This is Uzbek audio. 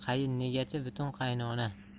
qaynegachi butun qaynona